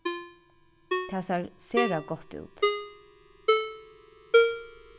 tað sær sera gott út